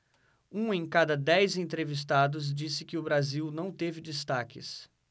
um em cada dez entrevistados disse que o brasil não teve destaques